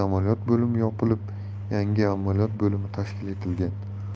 amaliyot bo'limi yopilib yangi amaliyot bo'limi tashkil etilgan